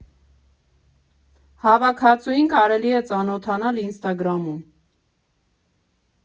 Հավաքածուին կարելի է ծանոթանալ Ինստագրամում։